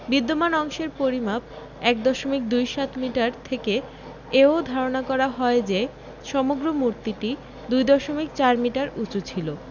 বিদ্যমান অংশের পরিমাপ ১ দশমিক দুই সাত মিটার থেকে এও ধারণা করা যায় যে সমগ্র মূর্তিটি ২ দশমিক ৪ মিটার উঁচু ছিল